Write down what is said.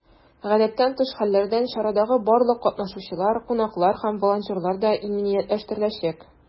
Гадәттән тыш хәлләрдән чарадагы барлык катнашучылар, кунаклар һәм волонтерлар да иминиятләштереләчәк.